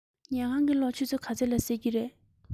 ཉལ ཁང གི གློག ཆུ ཚོད ག ཚོད ལ གསོད ཀྱི རེད